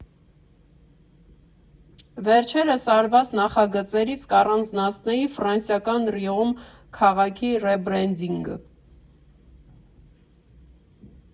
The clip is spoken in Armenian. Վերջերս արված նախագծերից կառանձնացնեի ֆրանսիական Ռիոմ քաղաքի ռեբրենդինգը։